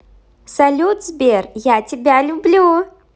салют сбер я тебя люблю